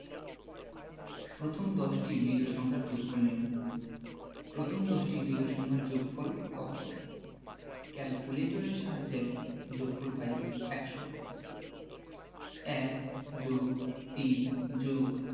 প্রথম দশটি বিজোড় সংখ্যার যোগফল নির্ণয় প্রথম দশটি বিজোড় সংখ্যার যোগফল কত ক্যালকুলেটরের সাহায্যে যোগফল পাই ১০০ ১+৩+